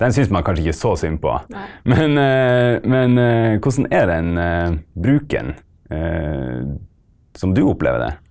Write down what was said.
dem syns man kanskje ikke så synd på, men men hvordan er den bruken som du opplever det?